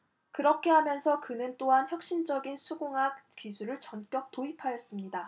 그렇게 하면서 그는 또한 혁신적인 수공학 기술을 전격 도입하였습니다